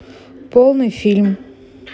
полный фильм